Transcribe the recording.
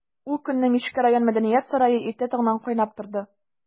Ул көнне Мишкә район мәдәният сарае иртә таңнан кайнап торды.